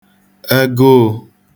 egụụ̄